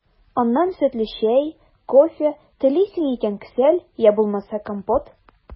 Аннан сөтле чәй, кофе, телисең икән – кесәл, йә булмаса компот.